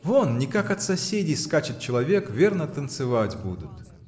Вон, никак, от соседей скачет человек, верно, танцевать будут.